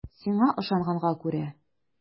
Сиңа ышанганга күрә.